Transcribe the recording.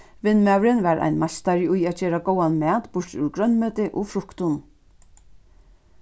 vinmaðurin var ein meistari í at gera góðan mat burtur úr grønmeti og fruktum